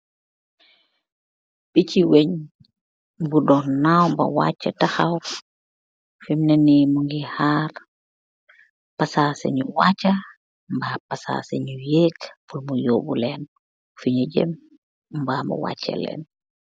abiyon budon nawwu beh wacha tahow.